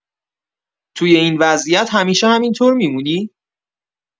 توی این وضعیت همیشه همینطور می‌مونی؟